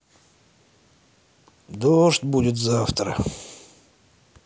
дождь будет завтра